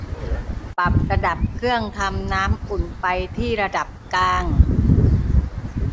ปรับระดับเครื่องทำน้ำอุ่นไปที่ระดับกลาง